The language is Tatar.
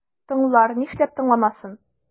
Тыңлар, нишләп тыңламасын?